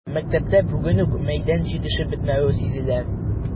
Мәктәптә бүген үк мәйдан җитешеп бетмәве сизелә.